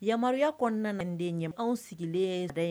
Yamaruyariya kɔnɔna nin de ɲɛ anw sigilenbɛn